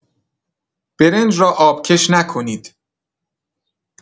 برنج را آبکش نکنید.